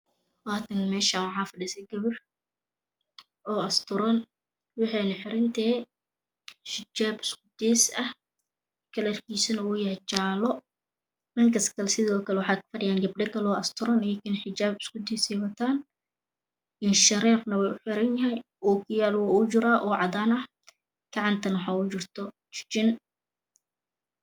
Waakana Meeshan waxaa fadhiso gabar oo asturan waxayna xiran tahay xijab isku days ah Kalarkiisana uu yahay jaalo dhankas sidoo kale waxaa Ka fadhiyo gabdho Kalo asturan iyo xijab isku days ah ay wataan inshareerna wuu xiran yahay okiyaalo wuu ugu jiraan oo cadaan ah gacanta waxaa ugu jirto jijin